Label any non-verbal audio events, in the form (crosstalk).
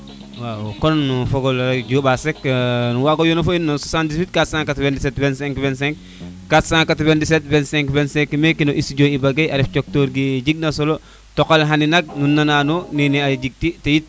wa kon fogole njoba seck (hesitation) wago yoon fo in no 784972525 4972525 meke no studio Iba Gueye a ref coktor ke jeg na solo toqale xani nak nu nano nene a jeg ti teyit